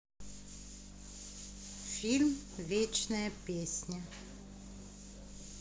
фильм вечная песня